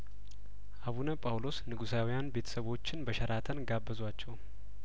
አቡነ ጳውሎስ ንጉሳውያን ቤተሰቦችን በሸራተን ጋበዟቸው